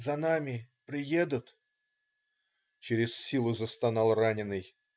За нами приедут?" - через силу застонал раненый.